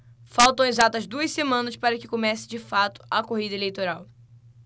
faltam exatas duas semanas para que comece de fato a corrida eleitoral